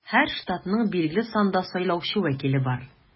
Һәр штатның билгеле санда сайлаучы вәкиле бар.